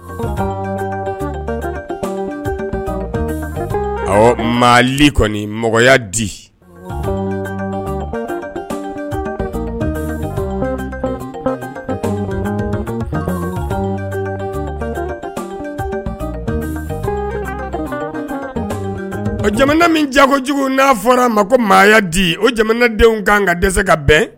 Ɔ ma kɔni mɔgɔya di jamana min jago kojugu n'a fɔra a ma ko maaya di o jamanadenw kan ka dɛsɛse ka bɛn